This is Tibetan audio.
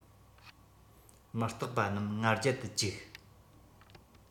མུ སྟེགས པ རྣམས ང རྒྱལ དུ བཅུག